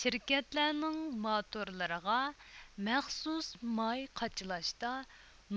شىركەتلەرنىڭ ماتورلىرىغا مەخسۇس ماي قاچىلاشتا